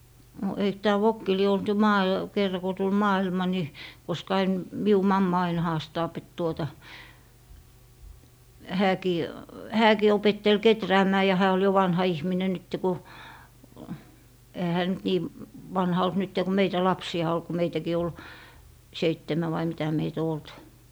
no eikö tämä vokki lie ollut jo - kerran kun tuli maailma niin koska aina minun mamma aina haastaa että tuota hänkin hänkin opetteli kehräämään ja hän oli jo vanha ihminen nyt kun eihän hän nyt niin vanha ollut nyt kun meitä lapsia oli kun meitäkin oli seitsemän vai mitä meitä on ollut